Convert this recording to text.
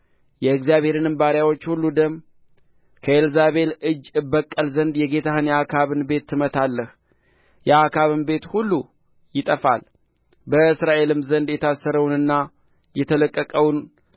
የእግዚአብሔርንም ባሪያዎች ሁሉ ደም ከኤልዛቤል እጅ እበቀል ዘንድ የጌታህን የአክዓብን ቤት ትመታለህ የአክዓብም ቤት ሁሉ ይጠፋል በእስራኤልም ዘንድ የታሰረውንና የተለቀቀውን